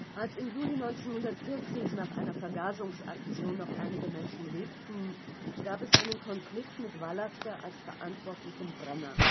Als im Juli 1940 nach einer Vergasungsaktion noch einige Menschen lebten, gab es einen Konflikt mit Vallaster als verantwortlichem „ Brenner